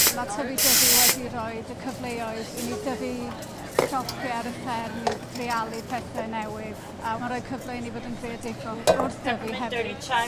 ma' tyfu Dyfi wedi roid y cyfleoedd i ni dyfu cropie ar y fferm i dreialu pethe newydd a ma' roi cyfle i ni fod yn creadigol wrth dyfu hefyd.